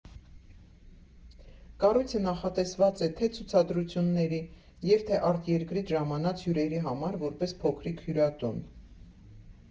Կառույցը նախատեսված է թե՛ ցուցադրությունների և թե՛ արտերկրից ժամանած հյուրերի համար որպես փոքրիկ հյուրատուն։